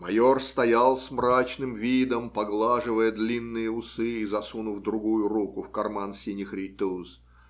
Майор стоял с мрачным видом, поглаживая длинные усы и засунув другую руку в карман синих рейтуз.